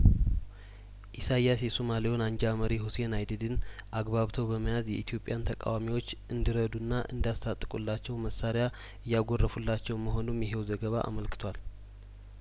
ኢሳያስ የሶማሌውን አንጃ መሪ ሁሴን አይዲድን አግባብተው በመያዝ የኢትዮጵያን ተቃዋሚዎች እንድረዱና እንዲያስታጥቁላቸው መሳሪያ እያጐረፉላቸው መሆኑንም ይኸው ዘገባ አመልክቷል